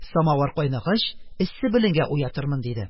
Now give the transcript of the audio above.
Самовар кайнагач, эссе беленгә уятырмын, - диде.